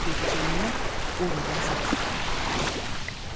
dedi jamila o'rnidan sapchib turib